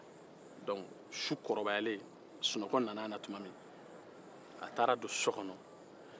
dɔnku su kɔrɔbayalen sunɔgɔ nana a la tuma min a taara don so kɔnɔ